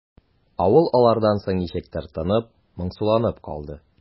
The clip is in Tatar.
Авыл алардан соң ничектер тынып, моңсуланып калды.